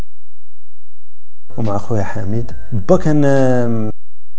مع اخويا حميد